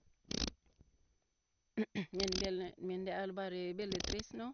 men velne Men det er bare veldig trist nå.